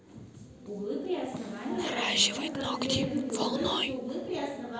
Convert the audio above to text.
наращивать ногти волной